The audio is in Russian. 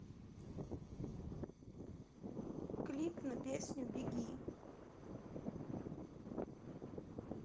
клип на песню беги